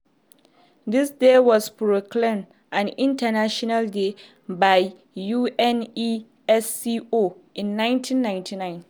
This day was proclaimed an International Day by UNESCO in 1999.